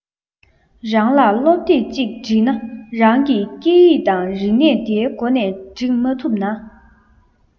རང ལ སློབ དེབ ཅིག སྒྲིག ན རང གི སྐད ཡིག དང རིག གནས འདིའི སྒོ ནས སྒྲིག མ ཐུབ ན